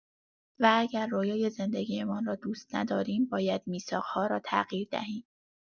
و اگر رویای زندگی‌مان را دوست نداریم، باید میثاق‌ها را تغییر دهیم.